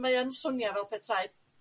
mae yn swnio fel petai